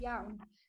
Iawn.